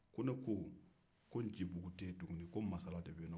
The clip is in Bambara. ko ne ko ko ncibugu tɛ yen tuguni ko masala de bɛ yen